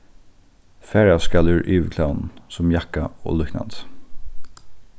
farast skal úr yvirklæðum sum jakka og líknandi